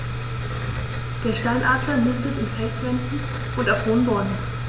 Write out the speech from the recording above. Der Steinadler nistet in Felswänden und auf hohen Bäumen.